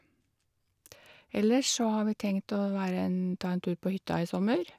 Ellers så har vi tenkt å være en ta en tur på hytta i sommer.